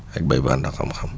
ak bat bu ànd ak xam-xam